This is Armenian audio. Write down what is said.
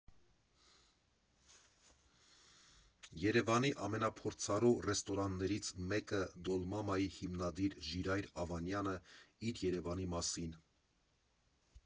Երևանի ամենափորձառու ռեստորատորներից մեկը՝ «Դոլմամայի» հիմնադիր Ժիրայր Ավանյանը՝ իր Երևանի մասին։